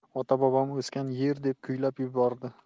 ota bobom o'sgan yer deb kuylab yubordi